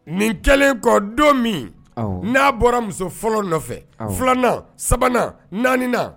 Nin kɛlen kɔ don min, awɔ, n'a bɔra muso fɔlɔ nɔfɛ, awɔ, filanan sabanan naaninan